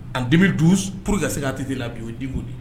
An denmusomi du porour que se a tɛte la bi'o diko de